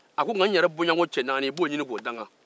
a ko n ka n yɛrɛ bɔnɲɔɔnko cɛ naani i b'o ɲini ka da n kan